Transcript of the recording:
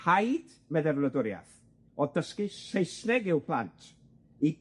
Rhaid, medda'r wladwriath, o'dd dysgu Saesneg i'w plant, i